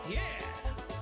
Yeah!